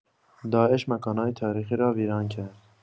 داعش مکان‌های تاریخی را ویران کرد.